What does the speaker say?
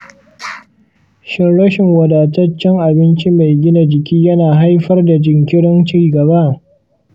shin rashin wadataccen abinci mai gina jiki yana haifar da jinkirin ci gaba